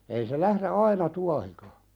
ei se lähde aina tuohikaan